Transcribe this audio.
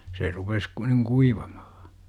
se rupesi kun niin kuivamaan